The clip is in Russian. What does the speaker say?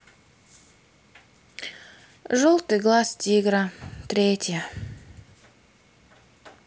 желтый глаз тигра третья